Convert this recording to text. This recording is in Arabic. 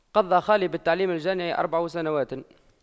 قضى خالي بالتعليم الجامعي أربع سنوات